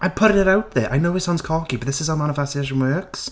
I'm putting it out there. I know it sounds cocky but this is how manifestation works.